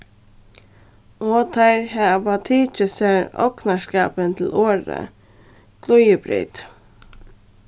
og teir hava tikið sær ognarskapin til orðið glíðibreyt